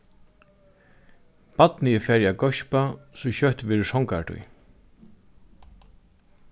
barnið er farið at geispa so skjótt verður songartíð